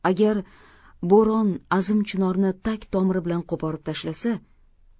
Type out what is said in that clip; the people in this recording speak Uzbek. agar bo'ron azim chinorni tag tomiri bilan qo'porib tashlasa